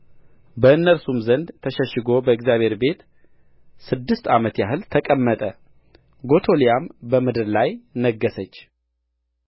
በእነርሱም ዘንድ ተሸሽጎ በእግዚአብሔር ቤት ስድስት ዓመት ያህል ተቀመጠ ጎቶልያም በምድር ላይ ነገሠች